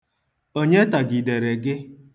Onye tagidere gị?